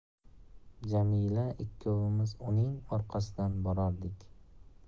jamila ikkovimiz uning orqasidan borardik